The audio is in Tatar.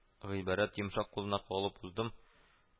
Гыйбарәт йомшак кулына кагылып уздым